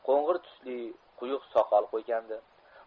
ko'ng'ir tusli quyuq soqol qo'ygandi